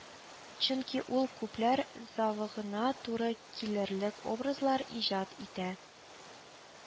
Чөнки ул күпләр зәвыгына туры килерлек образлар иҗат итә